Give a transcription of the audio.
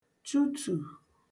chụtù